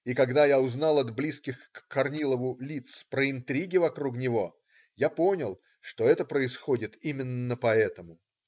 И когда я узнал от близких к Корнилову лиц про интриги вокруг него, я понял, что это происходит именно поэтому.